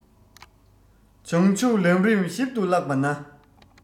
བྱང ཆུབ ལམ རིམ ཞིབ ཏུ བཀླགས པ ན